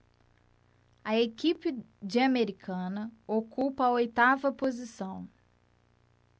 a equipe de americana ocupa a oitava posição